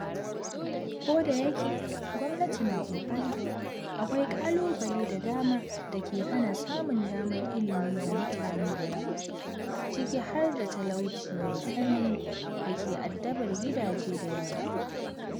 Ko da yake gwamnati na ƙoƙari, akwai ƙalubale da dama da ke hana samun damar ilimi ga mutane da yawa, ciki har da talauci mai tsanani da ke addabar gidaje da yawa.